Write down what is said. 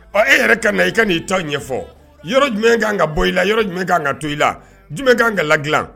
Ɔ e yɛrɛ ka na i ka' i ta ɲɛ ɲɛfɔ yɔrɔ jumɛn kanan ka bɔ i la yɔrɔ jumɛn k'an ka to i la jumɛn'an ka la dilan